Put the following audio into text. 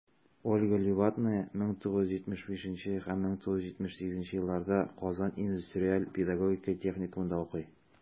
Ольга Левадная 1975-1978 елларда Казан индустриаль-педагогика техникумында укый.